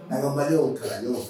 Nama y' kalan